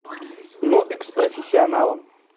нубик с профессионалом